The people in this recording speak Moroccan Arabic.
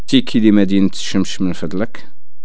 تيكي لمدينة الشمش من فضلك